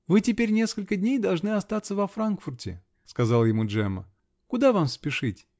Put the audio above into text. -- Вы теперь несколько дней должны остаться во Франкфурте, -- сказала ему Джемма, -- куда вам спешить?